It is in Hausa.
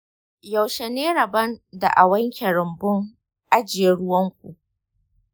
yaushe ne rabon da a wanke rumbun ajiye ruwan ku?